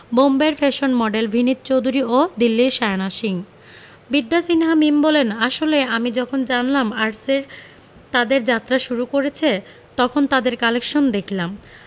বোম্বের fashion model Vinit Chowdhury ও দিল্লির শায়না সিং বিদ্যা সিনহা মিম বলেন আসলে আমি যখন জানলাম আর্টসের তাদের যাত্রা শুরু করেছে তখন তাদের কালেকশান দেখলাম